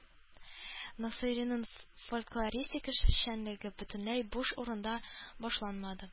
Насыйриның фольклористик эшчәнлеге бөтенләй буш урында башланмады